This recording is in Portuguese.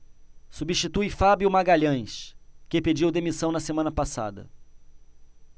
substitui fábio magalhães que pediu demissão na semana passada